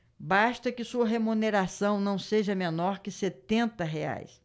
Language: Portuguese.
basta que sua remuneração não seja menor que setenta reais